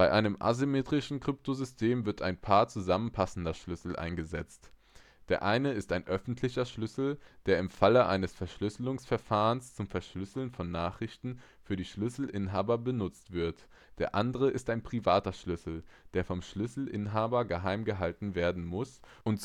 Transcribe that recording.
einem asymmetrischen Kryptosystem wird ein Paar zusammenpassender Schlüssel eingesetzt. Der eine ist ein öffentlicher Schlüssel, der – im Falle eines Verschlüsselungsverfahrens – zum Verschlüsseln von Nachrichten für den Schlüsselinhaber benutzt wird. Der andere ist ein privater Schlüssel, der vom Schlüsselinhaber geheim gehalten werden muss und